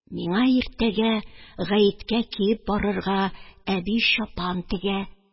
Миңа иртәгә гаеткә киеп барырга әби чапан тегә